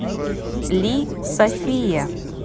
ли софия